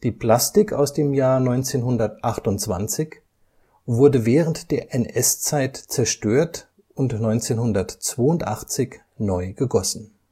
Plastik aus dem Jahr 1928 wurde während der NS-Zeit zerstört und 1982 neu gegossen